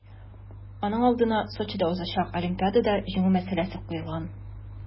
Аның алдына Сочида узачак Олимпиадада җиңү мәсьәләсе куелган.